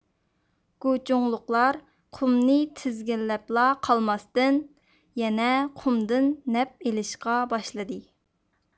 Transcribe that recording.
گۇچۇڭلۇقلار قۇمنى تىزگىنلەپلا قالماستىن يەنە قۇمدىن نەپ ئېلىشقا باشلىدى